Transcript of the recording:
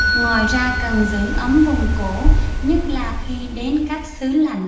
ngoài ra cần giữ ấm vùng cổ nhất là khi đến các xứ lạnh